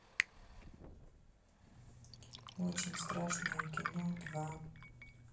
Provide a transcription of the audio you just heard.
очень страшное кино два